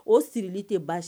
O sirili tɛ bas